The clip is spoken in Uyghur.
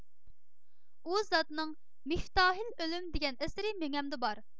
ئۇ زاتنىڭ مىفتاھىل ئۆلۈم دېگەن ئەسىرى مېڭەمدە بار